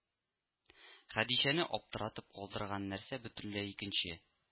Хәдичәне аптыратып калдырган нәрсә бөтенләй икенче: